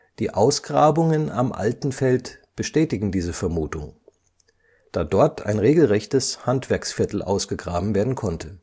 Die Ausgrabungen am „ Altenfeld “bestätigen diese Vermutung, da dort ein regelrechtes Handwerksviertel ausgegraben werden konnte